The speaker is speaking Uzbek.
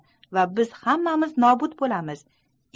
va biz hammamiz nobud bo'lamiz